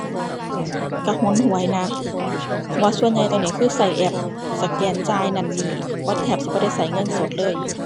ก็หนหวยนะ เพราะว่าส่วนใหญ่ตอนนี้คือก็แอปสแกนจ่ายนั่นนี่ บ่ แทบสิบ่ได้ก็เงินสดเลย